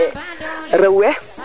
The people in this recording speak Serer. kam ñaman sax jikwimo